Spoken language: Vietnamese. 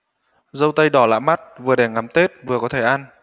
dâu tây đỏ lạ mắt vừa để ngắm tết vừa có thể ăn